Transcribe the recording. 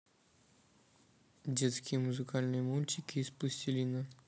детские музыкальные мультики из пластилина